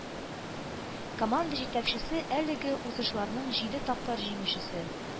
Команда җитәкчесе, әлеге узышларның җиде тапкыр җиңүчесе